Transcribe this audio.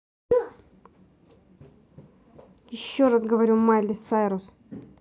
еще раз говорю майли сайрус